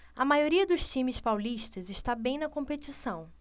a maioria dos times paulistas está bem na competição